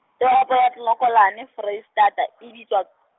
toropo ya Clocolan Foreisetata e bitswa.